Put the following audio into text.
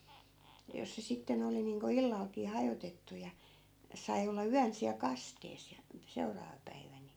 ja jos se sitten oli niin kuin illallakin hajotettu ja sai olla yön siellä kasteessa ja että seuraava päivä niin